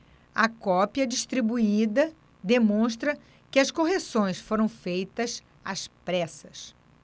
a cópia distribuída demonstra que as correções foram feitas às pressas